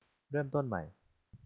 เริ่มต้นใหม่